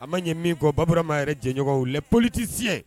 A ma ɲɛ min kɔ babrama yɛrɛ jɛɲɔgɔnw la poli tɛ siɲɛ